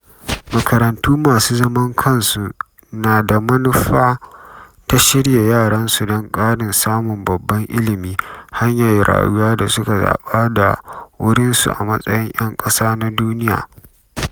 Makarantu masu zaman kansun na da manufa ta shirya yaransu don karin samun babban ilmi, hanyar rayuwa da suka zaɓa da wurinsu a matsayin ‘yan ƙasa na duniya.